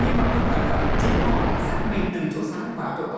nhưng mà không cẩn thận lại chính họ lại dắt mình từ chỗ sáng vào chỗ